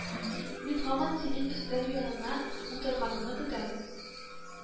Мин һаман синең өстәл янына утырганыңны көтәм